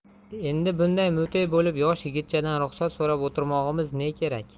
endi bunday mute bo'lib yosh yigitchadan ruxsat so'rab o'tirmog'imiz ne kerak